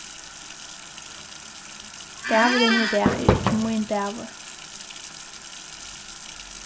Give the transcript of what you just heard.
dagurin í dag er ikki mín dagur